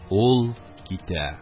Ул китә.